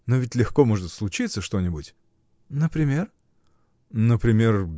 — Но ведь легко может случиться что-нибудь. — Например? — Например.